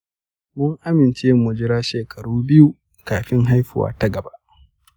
mun amince mu jira shekaru biyu kafin haihuwa ta gaba.